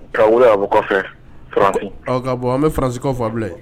Ka aw weele ka bɔ kɔfɛ , faranzi, ɔ ka bɔ, an b Faranzi kaw fo, Abulayi